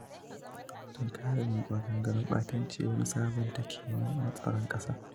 Tunkarar maganganun ɓatanci wani sabon take ne na tsaron ƙasa